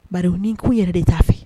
Bari ni' yɛrɛ de t'a fɛ